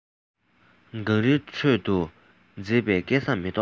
གངས རིའི ཁྲོད དུ མཛེས པའི སྐལ བཟང མེ ཏོག